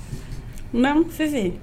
Naam Fifi